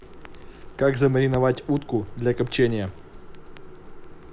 как замариновать утку для копчения